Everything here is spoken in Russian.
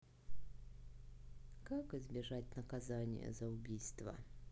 как избежать наказание за убийство